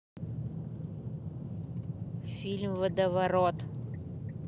фильм водоворот